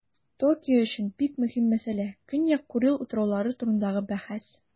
Токио өчен бик мөһим мәсьәлә - Көньяк Курил утраулары турындагы бәхәс.